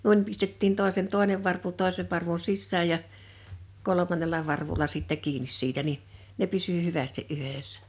noin pistettiin toisen toinen varpu toisen varvun sisään ja kolmannella varvulla sitten kiinni siitä niin ne pysyi hyvästi yhdessä